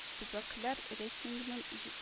Төбәкләр рейтингын җи